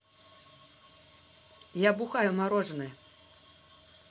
я бухаю мороженное